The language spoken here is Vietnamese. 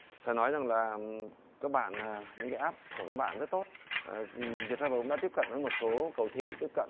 phải nói rằng là các bạn à những cái áp của các bạn rất tốt à việt tre vờ đã tiếp cận với một số cầu thị tiếp cận